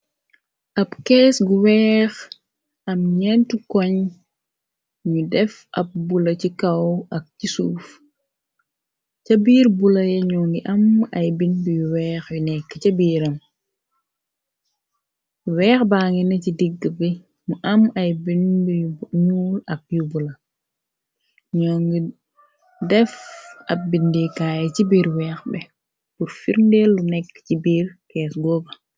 Ab kees gu weex am ñentu koñ ñu def ab bula ci kaw ak ci suuf ca biir bula yañoo ngi am ay bind yu weex yu nekk ca biiram weex baangi na ci digg bi mu am ay binb y nuul ab yu bula ñoo ngi def ab bindikaay ci biir weex bi bur firndeelu nekk ci biir kees googa.